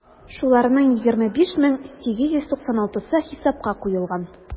Шуларның 25 мең 896-сы хисапка куелган.